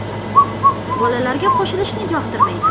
bolalarga qo'shilishni yoqtirmaydi